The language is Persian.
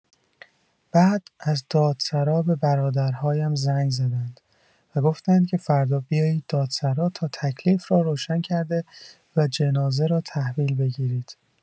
بعد، از دادسرا به برادرهایم زنگ زدند و گفتند که فردا بیایید دادسرا تا تکلیف را روشن کرده و جنازه را تحویل بگیرید.